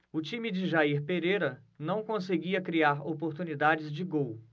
o time de jair pereira não conseguia criar oportunidades de gol